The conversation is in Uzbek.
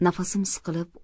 nafasim siqilib